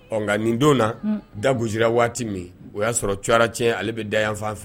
Ɔ nka nin don na da bonra waati min o y'a sɔrɔ cra tiɲɛ ale bɛ da yan fan fɛ